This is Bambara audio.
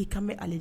I kami ale